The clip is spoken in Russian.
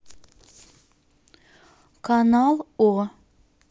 канал о